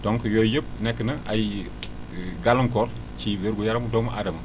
donc yooyu yëpp nekk na ay gàllankoor ci wér gu yaramu doomu aadama